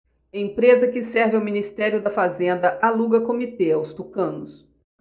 empresa que serve ao ministério da fazenda aluga comitê aos tucanos